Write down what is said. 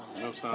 neuf cent